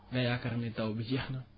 nga yaakaar ni taw bi jeex na